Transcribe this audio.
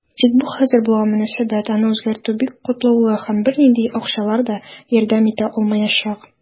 Тик бу хәзер булган мөнәсәбәт, аны үзгәртү бик катлаулы, һәм бернинди акчалар да ярдәм итә алмаячак.